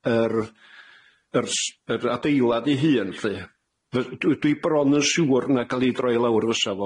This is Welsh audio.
ag oherwydd yr yr s- yr adeilad 'i hun 'lly dwi bron yn siŵr na ga'l 'i droi lawr fysa fo.